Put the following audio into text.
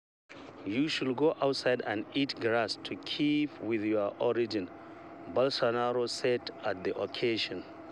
You should go outside and eat grass to keep with your origins, Bolsonaro said on the occasion.